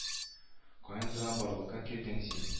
Каян гына барлыкка килдең син